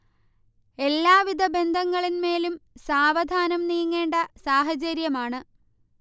എല്ലാ വിധ ബന്ധങ്ങളിന്മേലും സാവധാനം നീങ്ങേണ്ട സാഹചര്യമാണ്